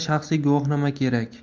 shaxsiy guvohnoma kerak